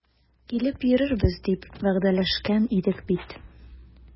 Килеп йөрербез дип вәгъдәләшкән идек бит.